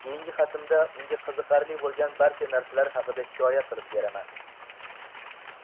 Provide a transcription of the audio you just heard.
keyingi xatimda unga qiziqarli bo'lgan barcha narsalar haqida hikoya qilib beraman